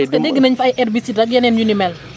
parce que dégg nañu fi ay herbicide ak yeneen yu ni mel